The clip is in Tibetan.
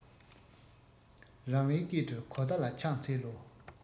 རང རེའི སྐད དུ གོ བརྡ ལ ཕྱག འཚལ ལོ